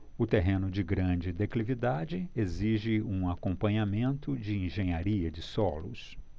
o terreno de grande declividade exige um acompanhamento de engenharia de solos